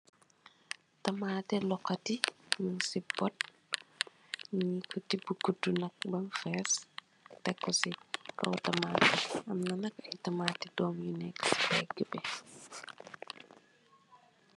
Tamate lokoti mung si pot nyung ko tebaa kudu bem fess tek ko si kaw tamate amna nak ay tamate dom yu neka si digi bi.